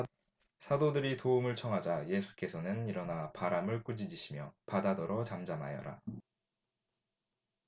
사도들이 도움을 청하자 예수께서는 일어나 바람을 꾸짖으시며 바다더러 잠잠하여라